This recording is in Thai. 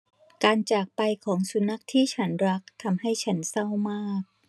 การจากไปของสุนัขที่ฉันรักทำให้ฉันเศร้ามาก